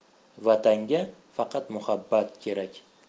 vatanga faqat muhabbat kerak